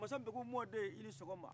masa npeku mɔden i ni sɔgɔma